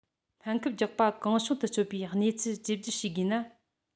སྨན ཁབ རྒྱག པ གང བྱུང དུ སྤྱོད པའི གནས ཚུལ བཅོས སྒྱུར བྱེད དགོས ན